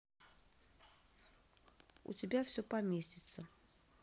у тебя все поместиться